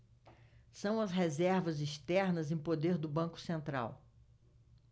são as reservas externas em poder do banco central